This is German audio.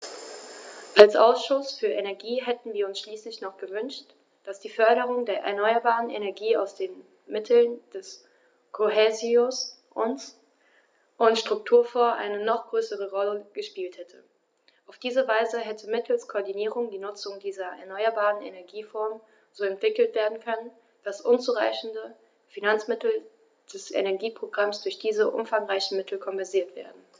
Als Ausschuss für Energie hätten wir uns schließlich noch gewünscht, dass die Förderung der erneuerbaren Energien aus den Mitteln des Kohäsions- und Strukturfonds eine noch größere Rolle gespielt hätte. Auf diese Weise hätte mittels Koordinierung die Nutzung dieser erneuerbaren Energieformen so entwickelt werden können, dass unzureichende Finanzmittel des Energieprogramms durch diese umfangreicheren Mittel kompensiert werden.